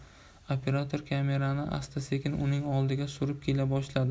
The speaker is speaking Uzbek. operator kamerani asta sekin uning oldiga surib kela boshladi